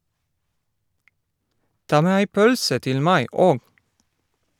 Ta med ei pølse til meg òg!